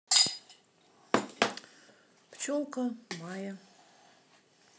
пчелка майя